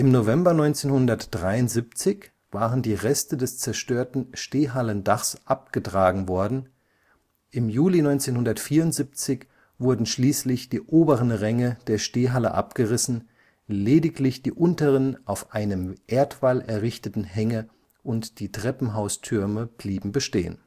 November 1973 waren die Reste des zerstörten Stehhallendachs abgetragen worden, im Juli 1974 wurden schließlich die oberen Ränge der Stehhalle abgerissen, lediglich die unteren auf einem Erdwall errichteten Ränge und die Treppenhaustürme blieben bestehen